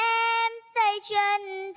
tay chân